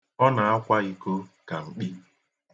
Ọ na-akwa iko ka mkpi.